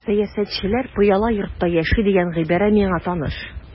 Сәясәтчеләр пыяла йортта яши дигән гыйбарә миңа таныш.